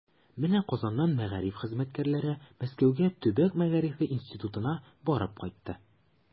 Менә Казаннан мәгариф хезмәткәрләре Мәскәүгә Төбәк мәгарифе институтына барып кайтты.